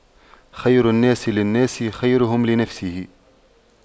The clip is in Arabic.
خير الناس للناس خيرهم لنفسه